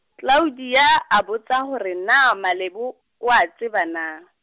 Claudia a botsa hore na Malebo, o a tseba na?